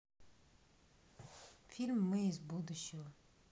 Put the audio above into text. фильм мы из будущего